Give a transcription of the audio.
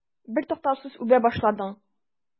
Бертуктаусыз үбә башладың.